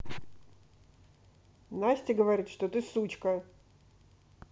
настя говорит что ты сучка